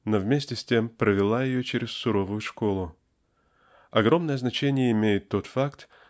но вместе с тем провела ее чрез суровую школу. Огромное значение имеет тот факт